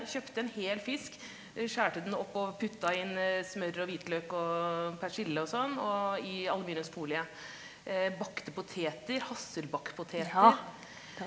kjøpte en hel fisk, skar den opp og putta inn smør og hvitløk og persille og sånn og i aluminiumsfolie bakte poteter hasselbackpoteteter.